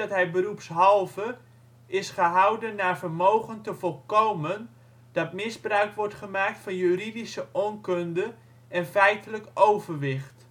hij beroepshalve is gehouden naar vermogen te voorkomen dat misbruik wordt gemaakt van juridische onkunde en feitelijk overwicht